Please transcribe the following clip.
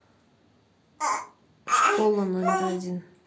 школа номер один